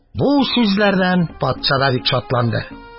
Бу сүзләрдән патша да бик шатланды.